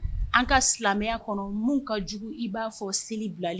An ka silamɛya kɔnɔ min ka jugu i b'a fɔ seli bilali